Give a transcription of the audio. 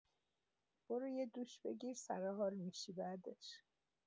برو یه دوش بگیر، سر حال می‌شی بعدش!